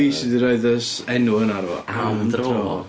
Fi sy 'di rhoid y s- enw yna arno fo, "Am Dro".